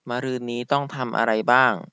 มะรืนนี้ต้องทำอะไรบ้าง